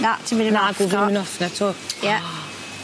Na ti'n myn' yn... ...fi myn' off e 'to. O! Ie.